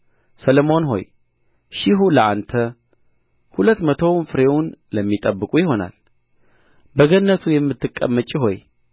ሰሎሞን ሆይ ሺሁ ለአንተ ሁለት መቶውም ፍሬውን ለሚጠብቁ ይሆናል በገነቱ የምትቀመጪ ሆይ